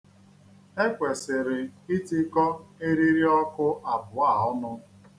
E kwesịrị itikọ eriri ọkụ abụọ a ọnụ.